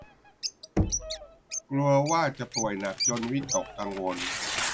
กลัวว่าจะป่วยหนักจนวิตกกังวล